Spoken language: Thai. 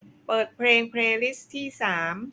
เปิดเพลงเพลย์ลิสต์ที่สาม